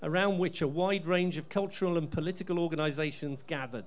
around which a wide range of cultural and political organisations gathered.